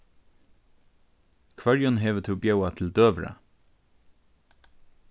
hvørjum hevur tú bjóðað til døgurða